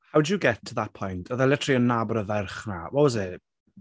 How do you get to that point? Oedd e literally yn nabod y ferch 'na. What was it?